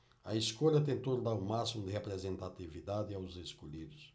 a escolha tentou dar o máximo de representatividade aos escolhidos